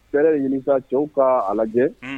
Hɛrɛ ɲinika cɛw ka a lajɛ